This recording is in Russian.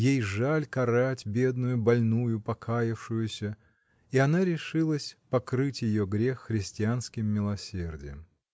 Ей жаль карать бедную, больную, покаявшуюся, — и она решилась покрыть ее грех христианским милосердием.